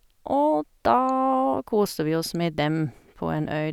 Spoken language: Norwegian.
Og da koste vi oss med dem på en øy.